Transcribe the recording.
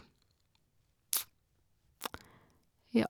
Ja.